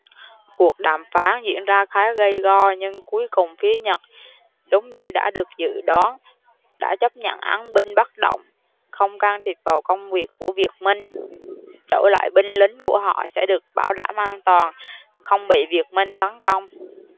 cuộc đàm phán diễn ra khá gay go nhưng cuối cùng phía nhật đúng như đã được dự đoán đã chấp nhận án binh bất động không can thiệp vào công việc của việt minh đổi lại binh lính của họ sẽ được bảo đảm an toàn không bị việt minh tấn công